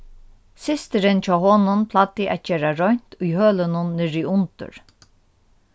systirin hjá honum plagdi at gera reint í hølunum niðriundir